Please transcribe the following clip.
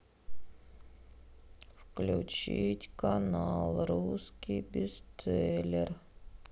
включить канал русский бестселлер